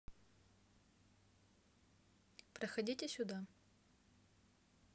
проходите сюда